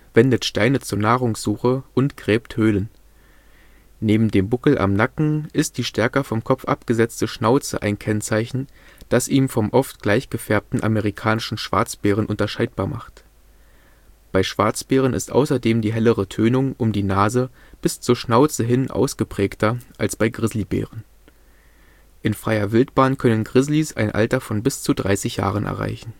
wendet Steine zur Nahrungssuche und gräbt Höhlen. Neben dem Buckel am Nacken ist die stärker vom Kopf abgesetzte Schnauze ein Kennzeichen, das ihn vom oft gleichgefärbten Amerikanischen Schwarzbären unterscheidbar macht. Bei Schwarzbären ist außerdem die hellere Tönung um die Nase bis zur Schnauze hin ausgeprägter als bei Grizzlybären. In freier Wildbahn können Grizzlys ein Alter von bis zu 30 Jahren erreichen